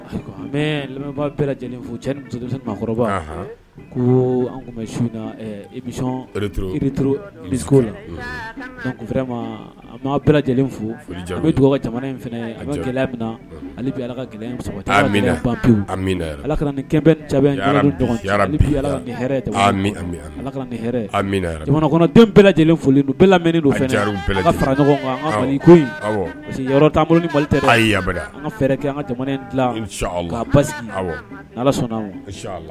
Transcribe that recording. Lajɛlenoli